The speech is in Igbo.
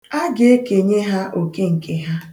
A ga-ekenye ha oke nke ha.